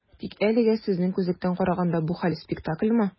Тик әлегә, сезнең күзлектән караганда, бу хәл - спектакльмы?